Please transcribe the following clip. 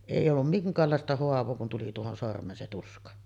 ei ollut minkäänlaista haavaa kun tuli tuohon sormeen se tuska